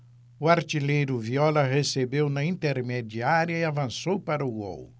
o artilheiro viola recebeu na intermediária e avançou para o gol